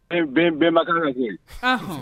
E bɛn bɛnba ka ŋa ka kɛ yen, ɔnhon